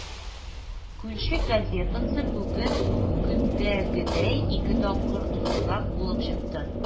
«күнче» газетасы бүген көндәгедәй ике тапкыр зуррак булып чыкты